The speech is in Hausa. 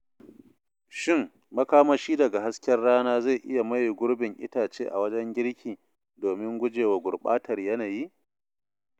'Shin makamashi daga hasken rana zai iya maye gurbin itace a wajen girki domin guje wa gurɓatar yanayi?''